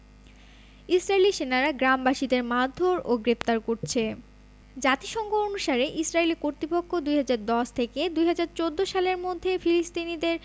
ইসরাইলী সেনারা গ্রামবাসীদের মারধোর ও গ্রেফতার করছে জাতিসংঘ অনুসারে ইসরাইলি কর্তৃপক্ষ ২০১০ থেকে ২০১৪ সালের মধ্যে ফিলিস্তিনিদের